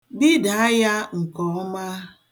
Bidaa ya nke ọma.